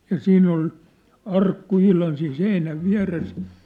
ja siinä oli arkku ihan siinä seinän vieressä